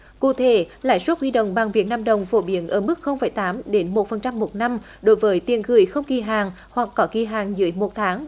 cụ thể lãi suất huy động bằng việt nam đồng phổ biến ở mức không phẩy tám đến một phần trăm một năm đối với tiền gửi không kỳ hạn hoặc có kỳ hạn dưới một tháng